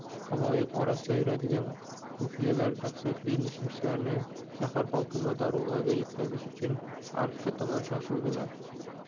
xaloyiq orasida yuradigan xufiyalar dahshatli mishmishlarni shahar hokimi dorug'aga yetkazish uchun arkka tomon shoshildilar